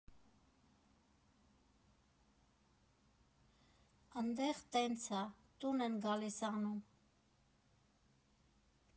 Ընդեղ տենց ա, տուն են գալիս անում։